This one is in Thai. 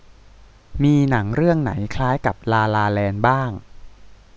มีหนังเรื่องไหนคล้ายกับลาลาแลนด์บ้าง